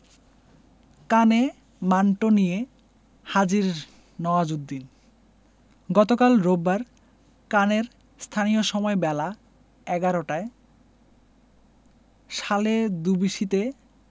কানে মান্টো নিয়ে হাজির নওয়াজুদ্দিন গতকাল রোববার কানের স্থানীয় সময় বেলা ১১টায় সালে দুবুসিতে